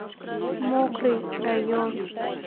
мокрый район